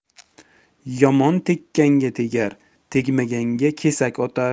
yomon tekkanga tegar tegmaganga kesak otar